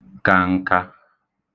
ka n̄kā